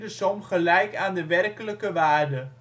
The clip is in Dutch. som gelijk aan de werkelijke waarde